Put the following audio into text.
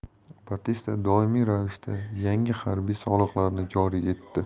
batista doimiy ravishda yangi harbiy soliqlarni joriy etdi